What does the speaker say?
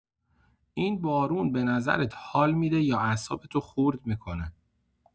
این بارون به نظرت حال می‌ده یا اعصابتو خرد می‌کنه؟